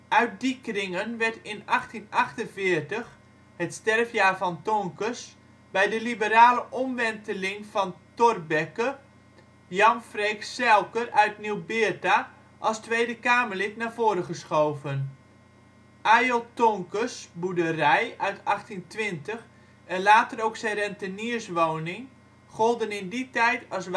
Uit die kringen werd in 1848 (het sterfjaar van Tonkes) bij de liberale omwenteling van Thorbecke, Jan Freeks Zijlker uit Nieuw Beerta als Tweede Kamerlid naar voren geschoven. Ayolt Tonkes boerderij uit 1820 en later ook zijn rentenierswoning golden in die tijd als